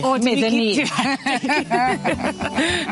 Medden i. O dim i gyd.